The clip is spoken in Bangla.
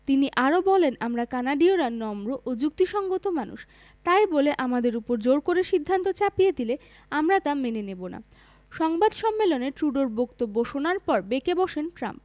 তিনি আরও বলেন আমরা কানাডীয়রা নম্র ও যুক্তিসংগত মানুষ তাই বলে আমাদের ওপর জোর করে সিদ্ধান্ত চাপিয়ে দিলে আমরা তা মেনে নেব না সংবাদ সম্মেলনে ট্রুডোর বক্তব্য শোনার পর বেঁকে বসেন ট্রাম্প